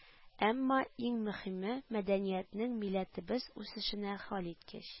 Әмма, иң мөһиме, мәдәниятнең милләтебез үсешенә хәлиткеч